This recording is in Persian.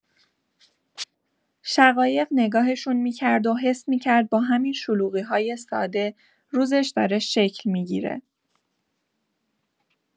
شقایق نگاهشون می‌کرد و حس می‌کرد با همین شلوغی‌های ساده، روزش داره شکل می‌گیره.